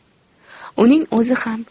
uning o'zi ham